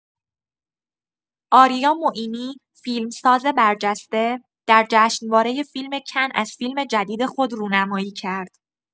آریا معینی، فیلم‌ساز برجسته، در جشنواره فیلم کن از فیلم جدید خود رونمایی کرد.